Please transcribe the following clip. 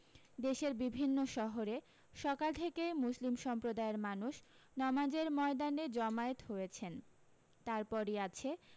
দেশের বিভিন্ন শহরে সকাল থেকে মুসলিম সম্প্রদায়ের মানুষ নমাজের ময়দানে জমায়েত হয়েছেন তারপরই আছে